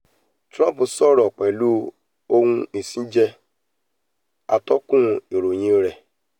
Trump sọ̀rọ̀ pẹ̀lú ohun ìsínjẹ ''atọ́kùn ìròyìn rẹ̀."